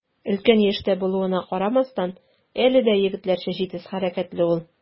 Өлкән яшьтә булуына карамастан, әле дә егетләрчә җитез хәрәкәтле ул.